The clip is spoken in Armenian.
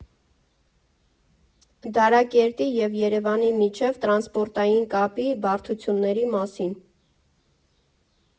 Դարակերտի և Երևանի միջև տրանսպորտային կապի բարդությունների մասին։